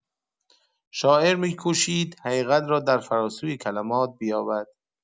شاعر می‌کوشید حقیقت را در فراسوی کلمات بیابد.